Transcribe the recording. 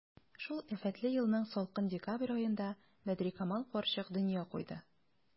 Шул афәтле елның салкын декабрь аенда Бәдрикамал карчык дөнья куйды.